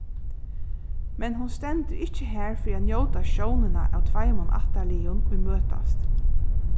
men hon stendur ikki har fyri njóta sjónina av tveimum ættarliðum ið møtast